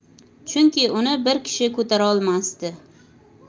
chunki uni bir kishi ko'tarolmasdi